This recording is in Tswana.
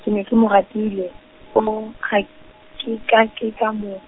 ke ne ke mo ratile, foo, ga, ke ka ke ka mo.